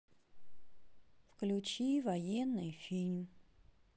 включи военный фильм